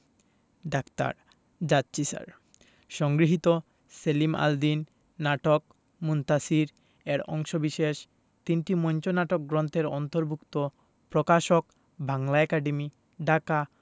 doctor যাচ্ছি sir সংগৃহীত সেলিম আল দীন নাটক মুনতাসীর এর অংশবিশেষ তিনটি মঞ্চনাটক গ্রন্থের অন্তর্ভুক্ত প্রকাশকঃ বাংলা একাডেমী ঢাকা